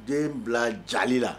Den bila jali la